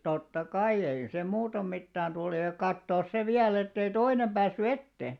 totta kai ei se muuten mitään tullut ja katsoa se vielä että ei toinen päässyt eteen